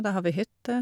Der har vi hytte.